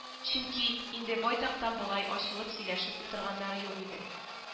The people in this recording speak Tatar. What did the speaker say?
Чөнки инде байтактан болай ачылып сөйләшеп утырганнары юк иде